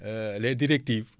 les directives